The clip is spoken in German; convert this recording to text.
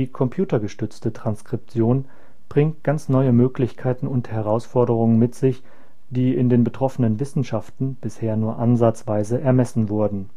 computergestützte Transkription bringt ganz neue Möglichkeiten und Herausforderungen mit sich, die in den betroffenen Wissenschaften bisher nur ansatzweise ermessen wurden